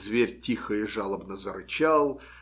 Зверь тихо и жалобно зарычал.